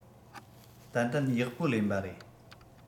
ཏན ཏན ཡག པོ ལེན པ རེད